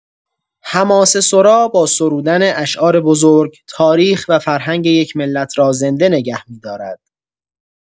حماسه‌سرا با سرودن اشعار بزرگ، تاریخ و فرهنگ یک ملت را زنده نگه می‌دارد.